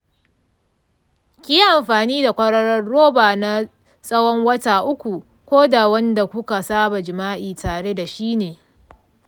kiyi amfani kwararon roba na tsawon wata uku koda wadda kuka saba jima'i tare dashi ne.